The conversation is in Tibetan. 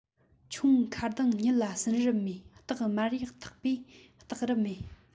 ཁྱུང མཁའ ལྡིང རྙི ལ ཟིན རབས མེད སྟག དམར ཡག ཐག པས བཏགས རབས མེད